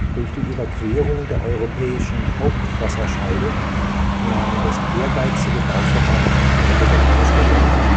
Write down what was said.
Durch die Überquerung der Europäischen Hauptwasserscheide nahm das ehrgeizige Bauvorhaben eine besondere Stellung ein